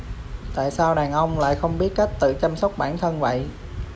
tại sao đàn ông lại không biết cách tự chăm sóc bản thân vậy